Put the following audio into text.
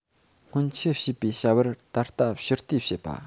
སྔོན ཆད བྱས པའི བྱ བར ད ལྟ ཕྱི བལྟས བྱེད པ